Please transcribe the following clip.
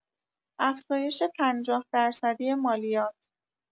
افزایش پنجاه‌درصدی مالیات